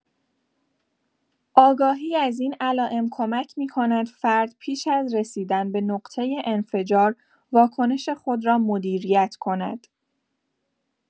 آگاهی از این علائم کمک می‌کند فرد پیش از رسیدن به نقطه انفجار، واکنش خود را مدیریت کند.